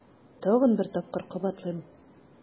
Тагын бер тапкыр кабатлыйм: